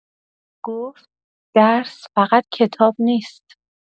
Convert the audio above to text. گفت: «درس فقط کتاب نیست.»